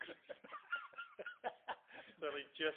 Gristno-... So fi jyst...